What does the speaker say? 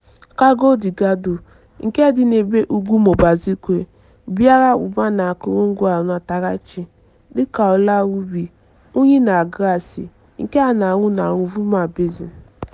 Cabo Delgado, nke dị n'ebe ugwu Mozambique, bara ụba n'akụrụngwa ọnatarachi, dịka ọla rubi, unyi na gaasị, nke a na-ahụ na Rovuma Basin.